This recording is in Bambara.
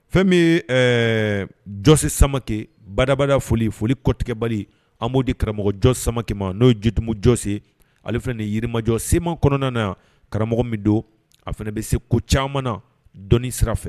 Fɛn bɛjɔse samabakɛ badabada foli foli kɔtɛbali b'o de karamɔgɔjɔ samakɛ ma n'o ye jotuumujɔse ale fana nin yirimajɔ seman kɔnɔna na karamɔgɔ min don a fana bɛ se ko caman na dɔnnii sira